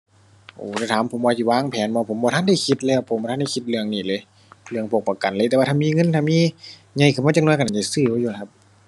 โอ๋ ถ้าถามผมว่าจิวางแผนบ่ ผมบ่ทันได้คิดเลยครับ ผมบ่ทันได้คิดเรื่องนี้เลย เรื่องพวกประกันเลย แต่ว่าถ้ามีเงิน ถ้ามี ใหญ่ขึ้นมาจักหน่อยก็น่าจะซื้อไว้อยู่ล่ะครับ